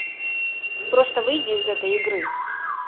просто выйди из этой игры